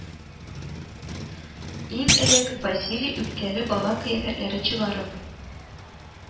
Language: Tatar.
Иң элек Василий, үпкәле бала кыяфәтләре чыгарып,